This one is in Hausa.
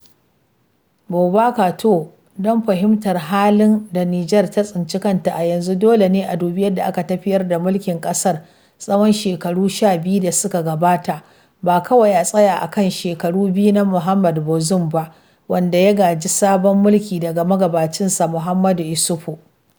Boubacar Touré (BT): Don fahimtar halin da Niger ta tsinci kanta a yanzu, dole ne a dubi yadda aka tafiyar da mulkin ƙasar tsawon shekaru 12 da suka gabata, ba kawai a tsaya kan shekaru biyu na Mohamed Bazoum ba, wanda ya gaji salon mulki daga magabacinsa Mahamadou Issoufou.